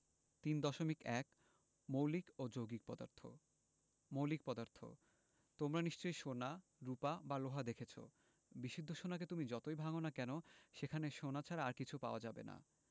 ৩.১ মৌলিক ও যৌগিক পদার্থঃ মৌলিক পদার্থ তোমরা নিশ্চয় সোনা রুপা বা লোহা দেখেছ বিশুদ্ধ সোনাকে তুমি যতই ভাঙ না কেন সেখানে সোনা ছাড়া আর কিছু পাবে না